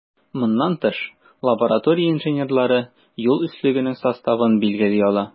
Моннан тыш, лаборатория инженерлары юл өслегенең составын билгели ала.